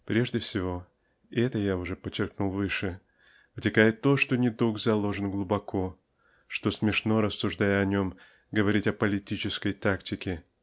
Прежде всего -- и это я уже подчеркнул выше -- вытекает то что недуг заложен глубоко что смешно рассуждая о нем говорить о политической тактике.